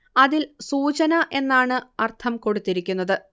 അതിൽ സൂചന എന്നാണ് അർത്ഥം കൊടുത്തിരിക്കുന്നത്